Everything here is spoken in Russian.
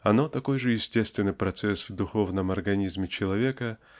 Оно --такой же естественный процесс в духовном организме человека